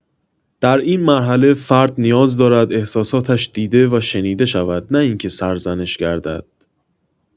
در این مرحله فرد نیاز دارد احساساتش دیده و شنیده شود نه اینکه سرزنش گردد.